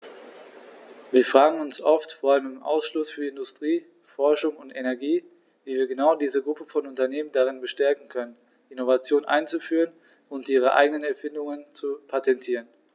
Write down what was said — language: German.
Wir fragen uns oft, vor allem im Ausschuss für Industrie, Forschung und Energie, wie wir genau diese Gruppe von Unternehmen darin bestärken können, Innovationen einzuführen und ihre eigenen Erfindungen zu patentieren.